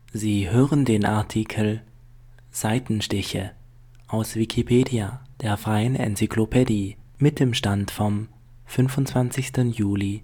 Sie hören den Artikel Seitenstiche, aus Wikipedia, der freien Enzyklopädie. Mit dem Stand vom Der